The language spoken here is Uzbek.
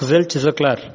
qizil chiziqlar